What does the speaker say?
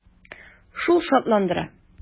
Шул шатландыра.